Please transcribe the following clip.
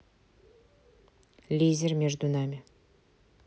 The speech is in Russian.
лизер между нами